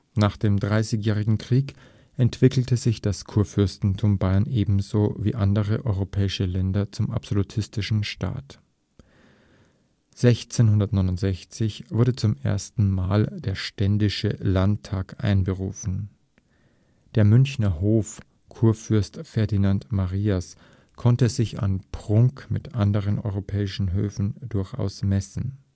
Nach dem Dreißigjährigen Krieg entwickelte sich das Kurfürstentum Bayern ebenso wie andere europäische Länder zum „ absolutistischen “Staat. 1669 wurde zum letzten Mal der ständische Landtag einberufen. Der Münchner Hof Kurfürst Ferdinand Marias konnte sich an Prunk mit anderen europäischen Höfen durchaus messen